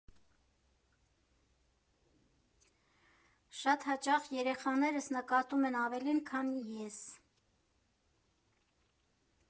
Շատ հաճախ երեխաներս նկատում են ավելին, քան ես։